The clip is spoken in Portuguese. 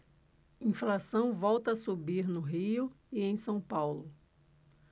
inflação volta a subir no rio e em são paulo